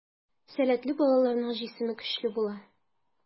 Сәләтле балаларның җисеме көчле була.